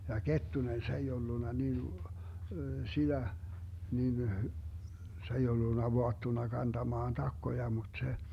ja Kettunen se ei ollut niin sitä niin se ei ollut vaattuna kantamaan takkoja mutta se